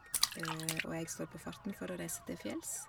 Og jeg står på farten for å reise til fjells.